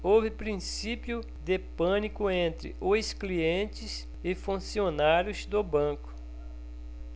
houve princípio de pânico entre os clientes e funcionários do banco